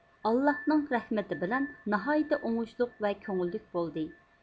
ئاللاھنىڭ رەھمىتى بىلەن ناھايتى ئوڭۇشلۇق ۋە كۆڭۈللۈك بولدى